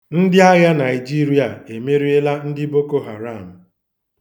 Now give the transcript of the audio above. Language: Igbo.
Ndị Agha Naịjirịa emeriela ndị Boko Haram.